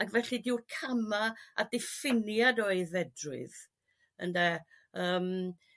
Ag felly dyw'r cama' a diffiniad o aeddfedrwydd ynde yrm